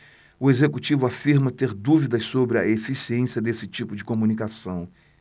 o executivo afirma ter dúvidas sobre a eficiência desse tipo de comunicação